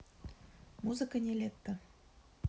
музыка нилетто